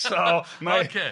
So mae... Ocê